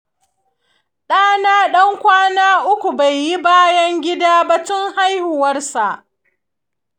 ɗana ɗan kwana uku bai yi bayan gida ba tun haihuwarsa.